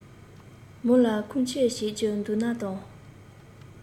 མོ ལ ཁུངས སྐྱེལ བྱེད རྒྱུ འདུག ན དང